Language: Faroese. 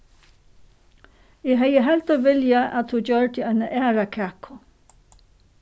eg hevði heldur viljað at tú gjørdi eina aðra kaku